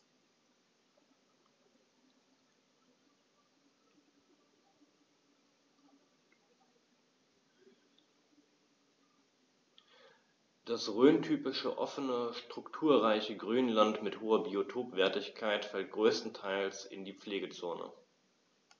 Das rhöntypische offene, strukturreiche Grünland mit hoher Biotopwertigkeit fällt größtenteils in die Pflegezone.